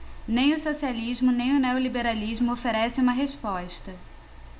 nem o socialismo nem o neoliberalismo oferecem uma resposta